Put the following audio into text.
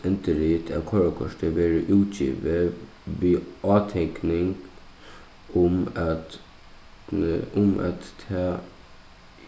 endurrit av koyrikorti verður útgivið við átekning um at um at tað